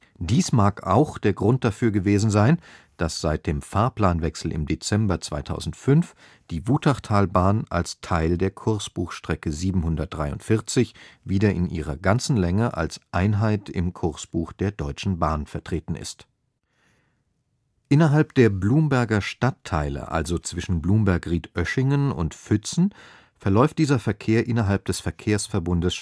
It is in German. Dies mag auch der Grund dafür gewesen sein, dass seit dem Fahrplanwechsel im Dezember 2005 die Wutachtalbahn als Teil der Kursbuchstrecke 743 wieder in ihrer ganzen Länge als Einheit im Kursbuch der Deutschen Bahn vertreten ist. Innerhalb der Blumberger Stadtteile, also zwischen Blumberg-Riedöschingen und Fützen verläuft dieser Verkehr innerhalb des Verkehrsverbundes